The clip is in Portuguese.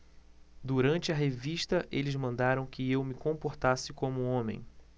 durante a revista eles mandaram que eu me comportasse como homem